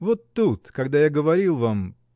— Вот тут, когда я говорил вам.